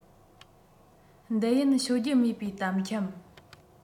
འདི ཡིན ཤོད རྒྱུ མེད པའི གཏམ འཁྱམས